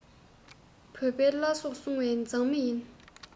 བོད པའི བླ སྲོག སྲུང བའི མཛངས མི ཡིན